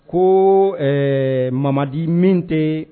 Ko ɛɛ mamadi min tɛ